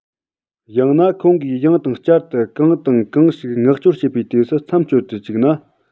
ཡང ན ཁོང གིས ཡང དང བསྐྱར དུ གང དང གང ཞིག ངག སྐྱོར བྱེད པའི དུས སུ མཚམས གཅོད དུ བཅུག ན